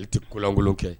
I tɛ kolonlankolo kɛ